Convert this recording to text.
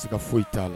Tɛ se ka foyi t'a la